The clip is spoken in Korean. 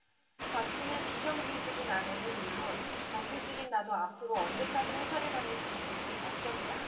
박씨는 비정규직인 아내는 물론 정규직인 나도 앞으로 언제까지 회사를 다닐 수 있을지 걱정이다